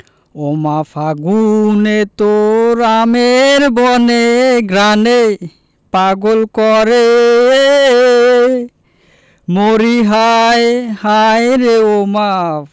ওমা ফাগুনে তোর আমের বনে ঘ্রাণে পাগল করে মরিহায় হায়রে ওমা